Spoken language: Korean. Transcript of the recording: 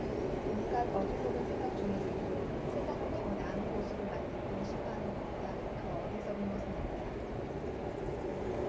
온갖 어리석은 생각 중에서도 세상을 더 나은 곳으로 만들고 싶어 하는 것보다 더 어리석은 것은 없다